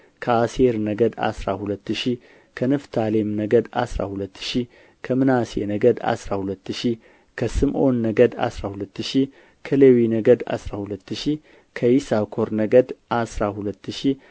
ከአሴር ነገድ አሥራ ሁለት ሺህ ከንፍታሌም ነገድ አሥራ ሁለት ሺህ ከምናሴ ነገድ አሥራ ሁለት ሺህ ከስምዖን ነገድ አሥራ ሁለት ሺህ ከሌዊ ነገድ አሥራ ሁለት ሺህ ከይሳኮር ነገድ አሥራ ሁለት ሺህ